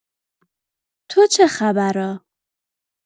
تو چه خبرا؟